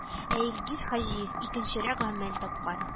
Ә Илгиз Хаҗиев икенчерәк гамәл тапкан